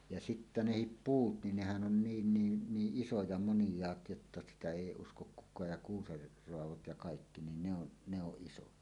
ja sitten nekin puut niin nehän on niin niin niin isoja moniaat jotta sitä ei usko kukaan ja kuusen raadot ja kaikki niin ne on ne on isoja